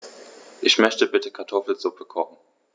Ich möchte bitte Kartoffelsuppe kochen.